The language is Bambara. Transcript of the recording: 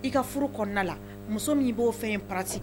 I ka furu kɔnɔna la muso min b'o fɛn ye pati